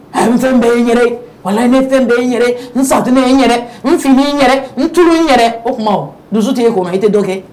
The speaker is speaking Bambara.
N fɛn bɛɛ ye n yɛrɛ .walayi n ka fɛn bɛ n yɛrɛ. N safinɛ n yɛrɛ , n finiinin n yɛrɛ , n tulu n yɛrɛ . O kuma dusu te e kun wa? I te dɔ kɛ?